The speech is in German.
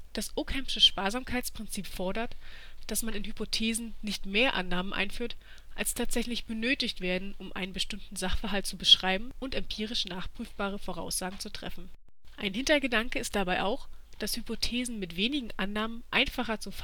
Das Ockhamsche Sparsamkeitsprinzip fordert, dass man in Hypothesen nicht mehr Annahmen einführt, als tatsächlich benötigt werden, um einen bestimmten Sachverhalt zu beschreiben und empirisch nachprüfbare Voraussagen zu treffen. Ein Hintergedanke ist dabei auch, dass Hypothesen mit wenigen Annahmen einfacher zu